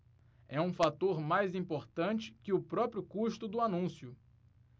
é um fator mais importante que o próprio custo do anúncio